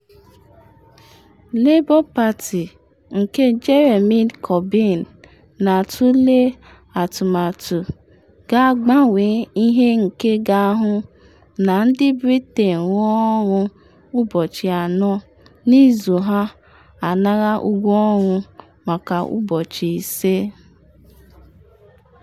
Labour Party nke Jeremy Corbyn na-atule atụmatụ ga-agbanwe ihe nke ga-ahụ na ndị Britain rụọ ọrụ ụbọchị anọ n’izu ha anara ụgwọ ọrụ maka ụbọchị ise.